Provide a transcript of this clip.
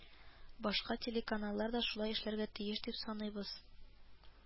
Башка телеканаллар да шулай эшләргә тиеш дип саныйбыз